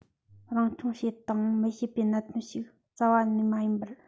རང སྐྱོང བྱེད དང མི བྱེད པའི གནད དོན ཞིག རྩ བ ནས མ ཡིན པར